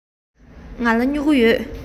ང ལ སྨྱུ གུ ཡོད